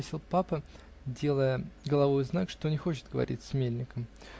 -- спросил папа, делая головою знак, что не хочет говорить с мельником.